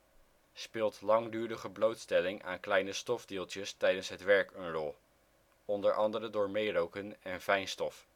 speelt langdurige blootstelling aan kleine stofdeeltjes tijdens het werk een rol (onder andere door meeroken en fijnstof